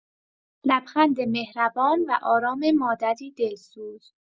لبخند مهربان و آرام مادری دلسوز